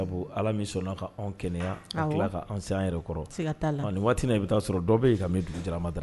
Sabu ala min sɔnna ka fɛw gɛlɛya . Ka kila ka anw se an yɛrɛ kɔrɔ . Sika tala. Ni waati in na i bi taa sɔrɔ dɔ be yen ka bi ni dugu jɛra ma da